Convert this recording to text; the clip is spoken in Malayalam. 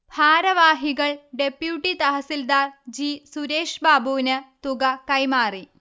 ഭാരവാഹികൾ ഡെപ്യൂട്ടി തഹസിൽദാർ ജി. സുരേഷ്ബാബുവിന് തുക കൈമാറി